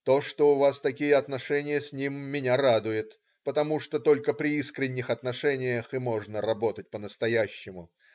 То, что у вас такие отношения с ним,- меня радует, потому что только при искренних отношениях и можно работать по-настоящему.